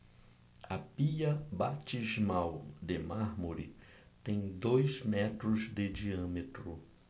a pia batismal de mármore tem dois metros de diâmetro